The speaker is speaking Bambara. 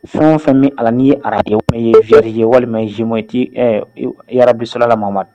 Fɛn o fɛn be a la n'i ye i ye joueur ye walima i ye géometi ɛ iw yarabi salala Mahamadu